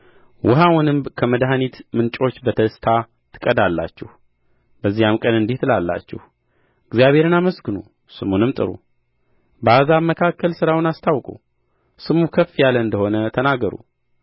ውኃውንም ከመድኃኒት ምንጮች በደስታ ትቀዳላችሁ በዚያም ቀን እንዲህ ትላላችሁ እግዚአብሔርን አመስግኑ ስሙንም ጥሩ በአሕዛብ መካከል ሥራውን አስታውቁ ስሙ ከፍ ያለ እንደ ሆነ ተናገሩ